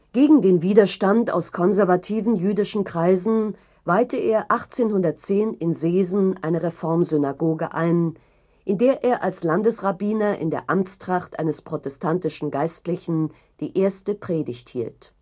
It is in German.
Gegen den Widerstand aus konservativen jüdischen Kreisen weihte er 1810 in Seesen eine Reformsynagoge ein, in der er als Landesrabbiner in der Amtstracht eines protestantischen Geistlichen die erste Predigt hielt